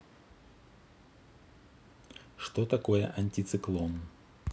что такое антициклон